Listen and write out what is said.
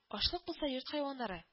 Ашлык булса йорт хайваннары